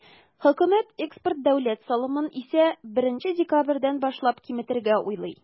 Хөкүмәт экспорт дәүләт салымын исә, 1 декабрьдән башлап киметергә уйлый.